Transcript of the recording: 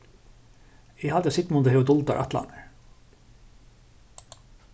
eg haldi at sigmundur hevur duldar ætlanir